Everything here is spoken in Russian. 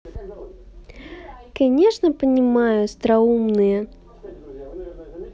конечно понимаю остроумные